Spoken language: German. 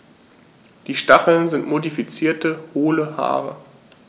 Diese Stacheln sind modifizierte, hohle Haare.